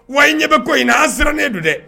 Wa in ɲɛ bɛ ko in an siran ne don dɛ